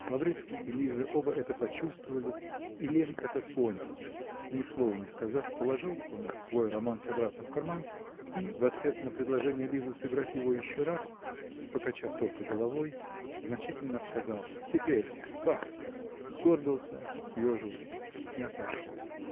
Лаврецкий и Лиза оба это почувствовали -- и Лемм это понял: ни слова не сказав, положил он свой романс обратно в карман и, в ответ на предложение Лизы сыграть его еще раз, покачав только головой, значительно сказал: "Теперь -- баста!" -- сгорбился, съежился и отошел.